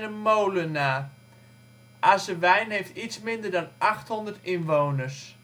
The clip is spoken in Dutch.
molenaar. Azewijn heeft iets minder dan 800 inwoners